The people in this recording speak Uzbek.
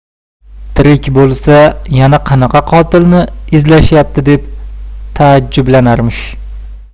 tirik bo'lsa yana qanaqa qotilni izlashyapti deb taajjublanarmish